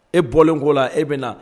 E bɔlen ko la, e bɛna na